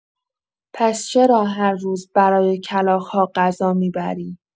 پس چرا هر روز برای کلاغ‌ها غذا می‌بری؟!